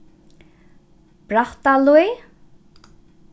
brattalíð